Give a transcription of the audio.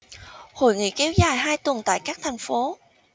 hội nghị kéo dài hai tuần tại các thành phố